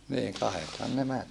niin kahdethan ne meni